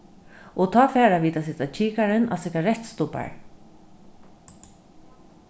og tá fara vit at seta kikaran á sigarettstubbar